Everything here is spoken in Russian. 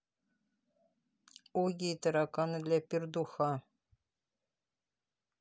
огги и тараканы для пердуха